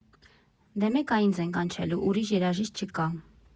Դե մեկ ա ինձ են կանչելու, ուրիշ երաժիշտ չկա։